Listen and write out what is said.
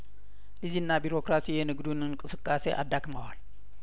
ሊዝና ቢሮክራሲ የንግዱን እንቅስቃሴ አዳክመዋል